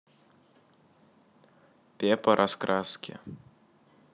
пеппа раскраски